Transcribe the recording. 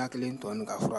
A hakili